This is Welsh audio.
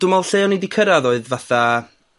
dwi me'wl lle o'n i 'di cyrradd oedd fatha